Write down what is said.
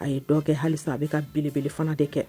A ye dɔn kɛ halisa a bɛ ka belebelefana de kɛ